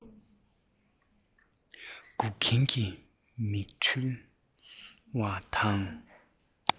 འགུག མཁན གྱི མིག འཕྲུལ བ དང